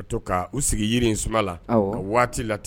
To k' u sigi yiri suma la a waati la ten